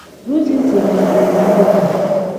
Rosenstein gọnarịrị akụkọ a.